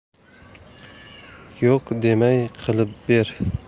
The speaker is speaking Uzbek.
yo'q demay qilib ber